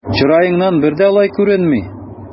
Чыраеңнан бер дә алай күренми!